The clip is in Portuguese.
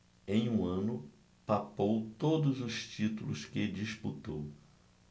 em um ano papou todos os títulos que disputou